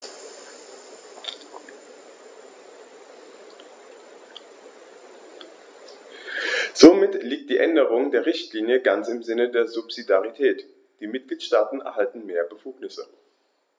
Somit liegt die Änderung der Richtlinie ganz im Sinne der Subsidiarität; die Mitgliedstaaten erhalten mehr Befugnisse.